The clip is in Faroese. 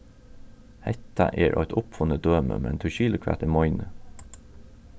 hetta er eitt uppfunnið dømi men tú skilir hvat eg meini